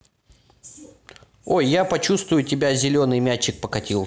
ой я почувствую тебя зеленый мячик покатился